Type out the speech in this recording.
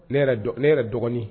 Ne ne yɛrɛ dɔgɔnin